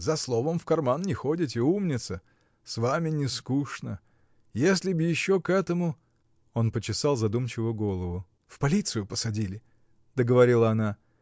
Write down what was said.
— За словом в карман не ходите: умница! С вами не скучно. Если б еще к этому. Он почесал задумчиво голову. — В полицию посадили! — договорила она.